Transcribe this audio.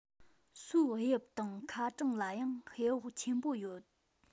སོའི དབྱིབས དང ཁ གྲངས ལ ཡང ཧེ བག ཆེན པོ ཡོད